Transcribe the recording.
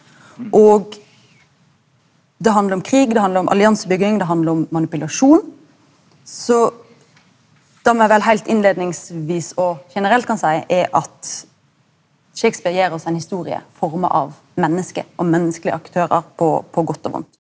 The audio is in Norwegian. og det handlar om krig, det handlar om alliansebygging, det handlar om manipulasjon, so det me vel heilt innleiingsvis og generelt kan seie er at Shakespeare gjev oss ei historie forma av menneske og menneskelege aktørar på på godt og vondt.